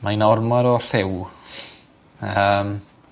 Mae 'na ormod o rhyw. Yym.